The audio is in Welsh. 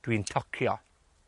Dwi'n tocio.